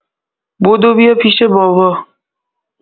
بدو بیا پیش بابا